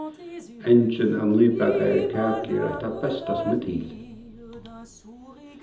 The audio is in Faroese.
angin av nýbakaðari kaku er eitt tað besta sum er til